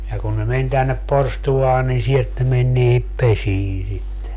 ja kun ne meni tänne porstuaan niin sieltä ne meni niihin pesiin sitten